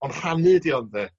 Ond rhannu ydi o ynde?